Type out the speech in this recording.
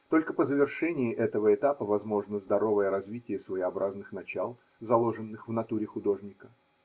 Только по завершении этого этапа возможно здоровое развитие своеобразных начал, заложенных в натуре художника.